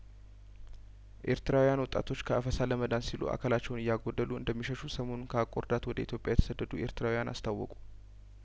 ኤርትራውያን ወጣቶች ከአፈሳ ለመዳን ሲሉ አካላቸውን እያጐደሉ እንደሚሸሸጉ ሰሞኑን ከአቆርዳት ወደ ኢትዮጵያ የተሰደዱ ኤርትራውያን አስታወቁ